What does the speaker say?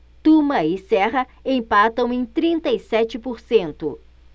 tuma e serra empatam em trinta e sete por cento